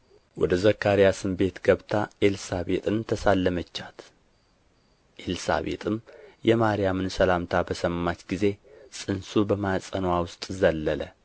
ወደ ዘካርያስም ቤት ገብታ ኤልሳቤጥን ተሳለመቻት ኤልሳቤጥም የማርያምን ሰላምታ በሰማች ጊዜ ፅንሱ በማኅፀንዋ ውስጥ ዘለለ